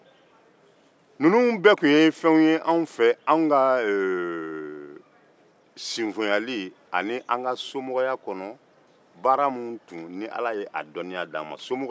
ninnu bɛɛ tun ye fɛnw ye ala ye minnu dɔnniya di an ma an ka sinfonyali n'a ka somɔgɔya kɔnɔ